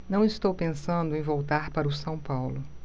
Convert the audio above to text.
não estou pensando em voltar para o são paulo